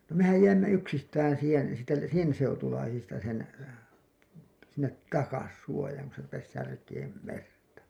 no mehän jäimme yksistään siihen sitten sen seutulaisista sen sinne takaisin suojaan kun se rupesi särkemään merta